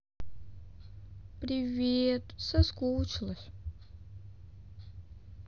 привет соскучилась